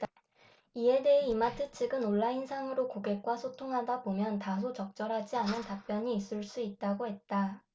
이에 대해 이마트 측은 온라인상으로 고객과 소통하다보면 다소 적절하지 않은 답변이 있을 수 있다고 했다